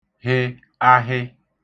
hị ahị